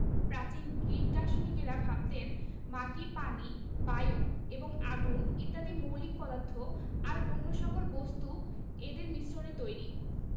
প্রাচীন গ্রিক দার্শনিকেরা ভাবতেন মাটি পানি বায়ু এবং আগুন ইত্যাদি মৌলিক পদার্থ আর অন্য সকল বস্তু এদের মিশ্রণে তৈরি